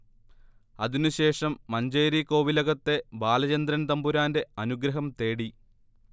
അതിനുശേഷം മഞ്ചേരി കോവിലകത്തെ ബാലചന്ദ്രൻ തന്പുരാൻറെ അനുഗ്രഹം തേടി